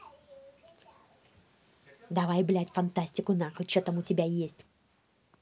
давай блять фантастику нахуй че там у тебя есть